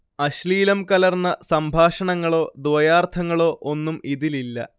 അശ്ലീലം കലർന്ന സംഭാഷങ്ങളോ ദ്വയാർത്ഥങ്ങളോ ഒന്നും ഇതിലില്ല